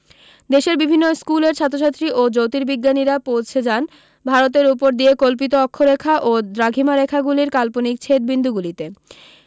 দেশের বিভিন্ন স্কুলের ছাত্রছাত্রী ও জ্যোতীর্বিজ্ঞানীরা পৌঁছে যান ভারতের উপর দিয়ে কল্পিত অক্ষরেখা ও দ্রাঘিমারেখাগুলির কাল্পনিক ছেদবিন্দুগুলিতে